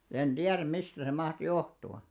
en tiedä mistä se mahtaa johtua